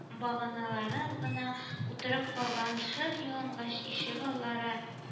Баганалары гына утырып калган шыр ялангач ишегаллары